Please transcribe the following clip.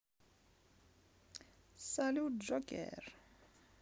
салют джокер